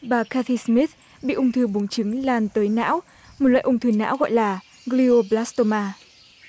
bà ca thy sờ mít bị ung thư buồng trứng lan tới não một loại ung thư não gọi là li ô bờ lát tô ma